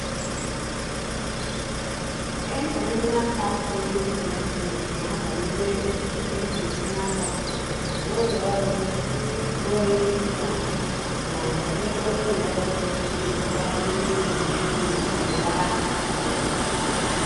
International Fact-Checking Network na-akwalite Ụbọchị International Fact-Checking, nke ụlọọrụ Poynter na ọtụtụ ụlọọrụ na-enyocha eziokwu gburugburu ụwa hiwere.